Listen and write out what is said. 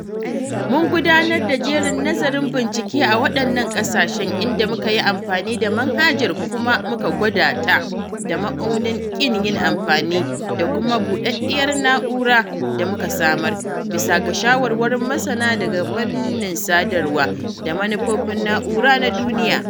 Mun gudanar da jerin nazarin bincike a waɗannan ƙasashen, inda muka yi amfani da manhajar kuma muka gwada ta da ma’aunin ƙin yin amfani da kuma buɗaɗiyar na'ira da muka samar, bisa ga shawarwarin masana daga fannin sadarwa da manufofin na'ura na duniya.